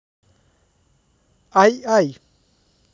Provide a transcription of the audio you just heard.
ай ай